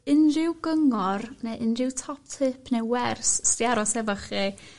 unrhyw gyngor neu unrhyw top tip ne' wers s' 'di aros efo chi